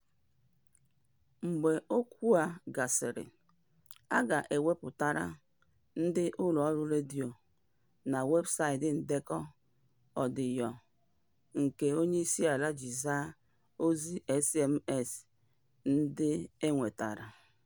Mgbe okwu a gasịrị, a ga-ewepụtara ndị ụlọọrụ redio na webụsaịtị ndekọ ọdịyo nke onyeisiala ji zaa ozi SMS ndị e nwetara.